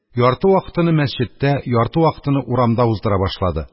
Ярты вакытыны мәсҗедтә, ярты вакытыны урамда уздыра башлады;